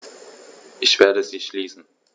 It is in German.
Ich werde sie schließen.